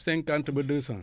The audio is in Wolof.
cinquante ba deux cent